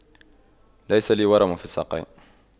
ليس لي ورم في الساقين